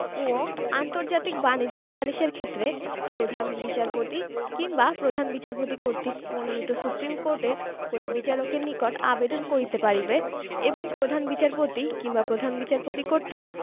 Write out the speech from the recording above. ঙ আন্তর্জাতিক বাণিজ্যিক সালিসের ক্ষেত্রে প্রধান বিচারপতি কিংবা প্রধান বিচারপতি কর্তৃক মনোনীত সুপ্রীম কোর্টের কোন বিচারকের নিকট আবেদন করিতে পারিবে এবং প্রধান বিচারপতি কিংবা প্রধান বিচারপতি কর্তৃক